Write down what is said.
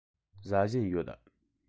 ཟ བཞིན ཡོད